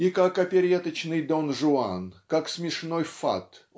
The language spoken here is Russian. и как опереточный Дон-Жуан как смешной фат